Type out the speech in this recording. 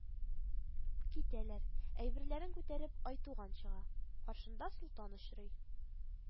Китәләр, әйберләрен күтәреп, Айтуган чыга, каршына Солтан очрый